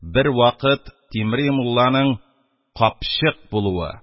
Бервакыт тимри мулланың «капчык булуы»